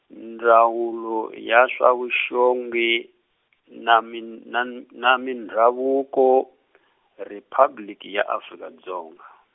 Ndzawulo ya swa Vuxongi na mi n-, na m-, na Mindhavuko , Riphabliki ya Afrika Dzonga.